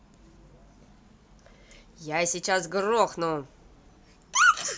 я сейчас грохну